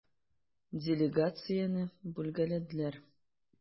Делегацияне бүлгәләделәр.